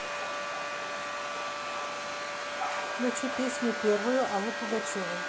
включи песню первую аллы пугачевой